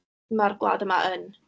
ma'r gwlad yma yn...